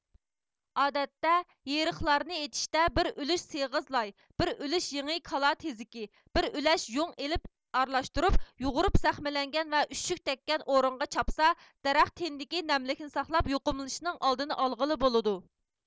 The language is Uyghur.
ئادەتتە يېرىقلارنى ئېتىشتە بىر ئۈلۈش سېغىز لاي بىر ئۈلۈش يېڭى كالا تېزىكى بىر ئۈلەش يۇڭ ئېلىپ ئارىلاشتۇرۇپ يۇغۇرۇپ زەخىملەنگەن ۋە ئۈششۈك تەگكەن ئورۇنغا چاپسا دەرەخ تېنىدىكى نەملىكنى ساقلاپ يۇقۇملىنىشنىڭ ئالدىنى ئالغىلى بولىدۇ